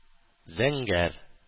Зәңгәр